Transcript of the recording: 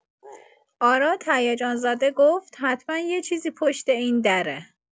آراد هیجان‌زده گفت: «حتما یه چیزی پشت این دره!»